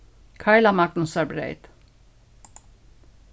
karlamagnusarbreyt